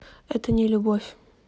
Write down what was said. это не любовь